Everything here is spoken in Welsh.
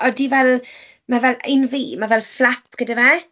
Odi fel... ma' fel... un fi ma' fel fflap gyda fe.